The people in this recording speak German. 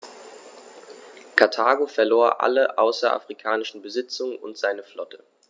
Karthago verlor alle außerafrikanischen Besitzungen und seine Flotte.